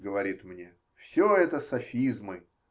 -- говорит мне, -- все это софизмы.